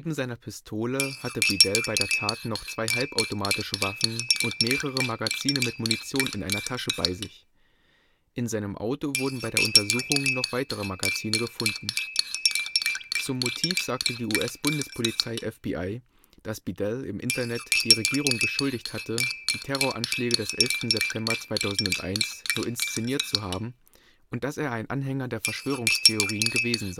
seiner Pistole hatte Bedell bei der Tat noch zwei halbautomatische Waffen und mehrere Magazine mit Munition in einer Tasche bei sich. In seinem Auto wurden bei der Untersuchung noch weitere Magazine gefunden. Zum Motiv sagte die US-Bundespolizei FBI, dass Bedell im Internet die Regierung beschuldigt hatte, die Terroranschläge des 11. September 2001 nur inszeniert zu haben, und dass er ein Anhänger der Verschwörungstheorien gewesen